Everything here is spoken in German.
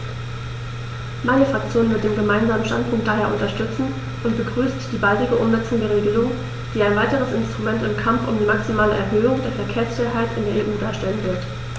Meine Fraktion wird den Gemeinsamen Standpunkt daher unterstützen und begrüßt die baldige Umsetzung der Regelung, die ein weiteres Instrument im Kampf um die maximale Erhöhung der Verkehrssicherheit in der EU darstellen wird.